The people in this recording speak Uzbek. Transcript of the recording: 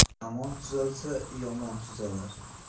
zamon tuzalsa yomon tuzalar